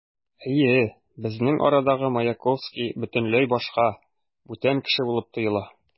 Әйе, безнең арадагы Маяковский бөтенләй башка, бүтән кеше булып тоела.